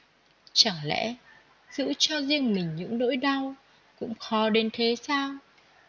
chẳng lẽ giữ cho riêng mình những nỗi đau cũng khó đến thế sao